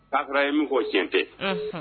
Akura ye min' tiɲɛ tɛ